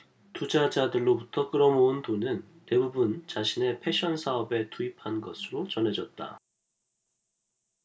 투자자들로부터 끌어모은 돈은 대부분 자신의 패션사업에 투입한 것으로 전해졌다